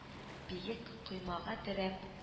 Биек коймага терәп